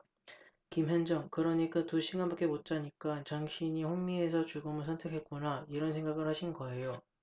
김현정 그러니까 두 시간밖에 못 자니까 정신이 혼미해서 죽음을 선택했구나 이런 생각을 하신 거예요